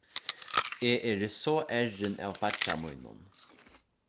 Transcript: eg eri so errin av beiggja mínum